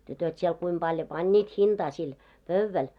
tytöt siellä kuinka paljon panivat hintaa sille pöydälle